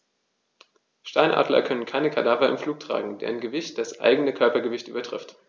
Steinadler können keine Kadaver im Flug tragen, deren Gewicht das eigene Körpergewicht übertrifft.